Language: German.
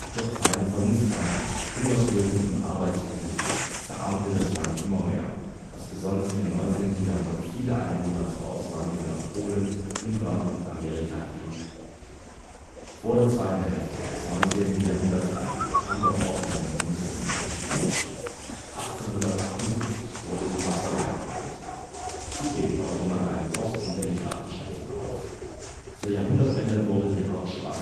durch Zeiten von Missernten, Hungersnöten und Arbeitslosigkeit verarmte das Land immer mehr, was besonders im 19. Jahrhundert viele Einwohner zur Auswanderung nach Polen, Ungarn und Amerika trieb. Von der zweiten Hälfte des 19. Jahrhunderts an kam der Ort in den Genuss des technischen Fortschritts. 1878 wurde die Wasserleitung errichtet. Zudem baute man eine Post - und Telegrapenstation auf. Zur Jahrhundertwende wurde die Hauptstraße